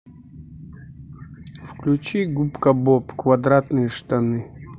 включи губка боб квадратные штаны